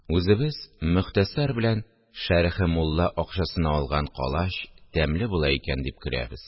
Үзебез: «Мохтәсар» белән «Шәрехе мулла» акчасына алган калач тәмле була икән!» – дип көләбез